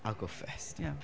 I'll go first ...Ie.